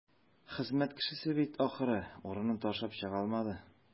Хезмәт кешесе бит, ахры, урынын ташлап чыга алмады.